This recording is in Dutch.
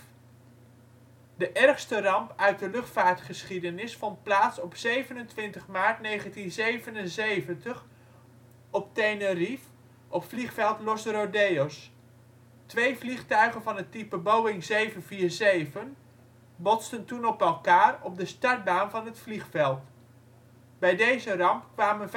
ergste ramp uit de luchtvaartgeschiedenis vond plaats op in 27 maart 1977 op Tenerife, op vliegveld Los Rodeos. Twee vliegtuigen van het type Boeing 747 botsten toen op elkaar op de startbaan van het vliegveld. Bij deze ramp kwamen